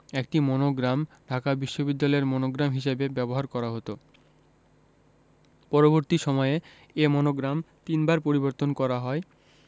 একটি মনোগ্রাম ঢাকা বিশ্ববিদ্যালয়ের মনোগ্রাম হিসেবে ব্যবহার করা হতো পরবর্তী সময়ে এ মনোগ্রাম তিনবার পরিবর্তন করা হয়